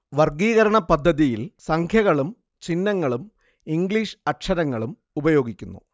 വർഗ്ഗീകരണ പദ്ധതിയിൽ സംഖ്യകളും ചിഹ്നങ്ങളും ഇംഗ്ലീഷ് അക്ഷരങ്ങളും ഉപയോഗിക്കുന്നു